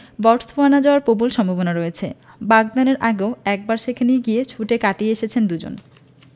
Botswana যাওয়ার প্রবল সম্ভাবনা রয়েছে বাগদানের আগেও একবার সেখানে গিয়ে ছুটি কাটিয়ে এসেছেন দুজন